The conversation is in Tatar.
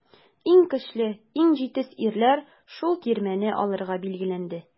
Иң көчле, иң җитез ирләр шул тирмәне алырга билгеләнде.